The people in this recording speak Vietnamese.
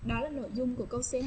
nội dung của câu c